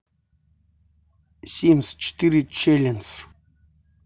симс четыре челлендж